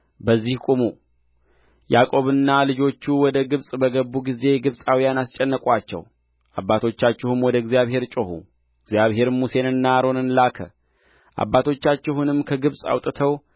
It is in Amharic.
በዚህ ቁሙ ያዕቆብና ልጆቹ ወደ ግብጽ በገቡ ጊዜ ግብጻውያን አስጨነቁአቸው አባቶቻችሁም ወደ እግዚአብሔር ጮኹ እግዚአብሔርም ሙሴንና አሮንን ላከ አባቶቻችሁንም ከግብጽ አውጥተው